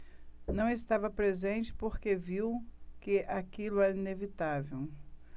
não estava presente porque viu que aquilo era inevitável